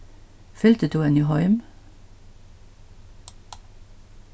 fylgdi tú henni heim